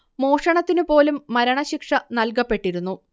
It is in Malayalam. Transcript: മോഷണത്തിനു പോലും മരണ ശിക്ഷ നൽകപ്പെട്ടിരുന്നു